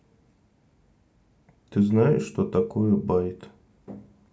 ты знаешь что такое байт